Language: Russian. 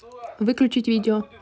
выключить видео